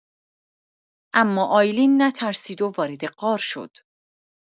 اما آیلین نترسید و وارد غار شد.